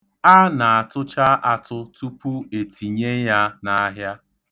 A na-atụcha atụ tupu e tinye ya n'ahịa.